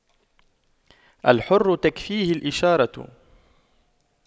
الحر تكفيه الإشارة